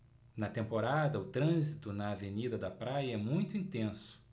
na temporada o trânsito na avenida da praia é muito intenso